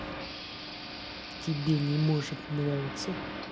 тебе не может нравиться